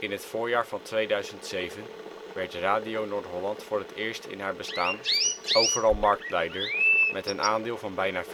het voorjaar van 2007 werd Radio Noord-Holland voor het eerst in haar bestaan overal marktleider met een aandeel van bijna